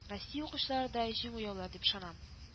Россия укучылары да җиңү яулар дип ышанам